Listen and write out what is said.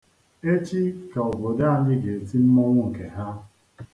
Echi ka obodo anyị ga-eti mmọnwụ nke ha.